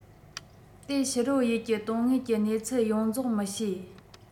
དེ ཕྱི རོལ ཡུལ གྱི དོན དངོས ཀྱི གནས ཚུལ ཡོངས རྫོགས མི བྱེད